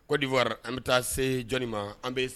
Kɔrɔwari, an bɛ taa se jɔni ma, an bɛ